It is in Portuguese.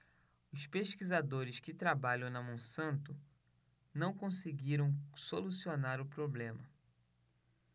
os pesquisadores que trabalham na monsanto não conseguiram solucionar o problema